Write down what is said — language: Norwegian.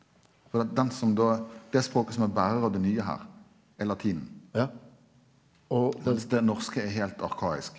for det at den som då det språket som er berar av det nye her er latinen og mens det norske er heilt arkaisk.